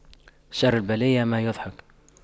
شر البلية ما يضحك